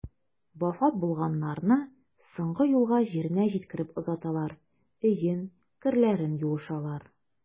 Вафат булганнарны соңгы юлга җиренә җиткереп озаталар, өен, керләрен юышалар.